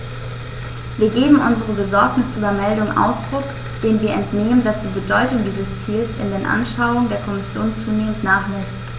Wir geben unserer Besorgnis über Meldungen Ausdruck, denen wir entnehmen, dass die Bedeutung dieses Ziels in den Anschauungen der Kommission zunehmend nachlässt.